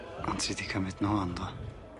Ond ti 'di cymyd nw yndo?